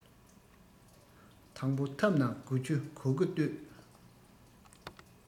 དང པོ ཐབས རྣམས དགུ བཅུ གོ དགུ གཏོད